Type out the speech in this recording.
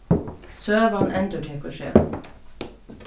søgan endurtekur seg